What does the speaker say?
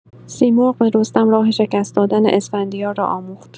سیمرغ به رستم راه شکست‌دادن اسفندیار را آموخت.